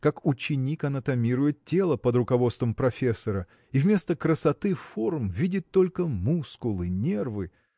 как ученик анатомирует тело под руководством профессора и вместо красоты форм видит только мускулы нервы.